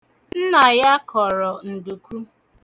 Nna ya kọrọ nduku.